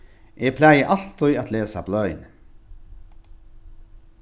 eg plagi altíð at lesa bløðini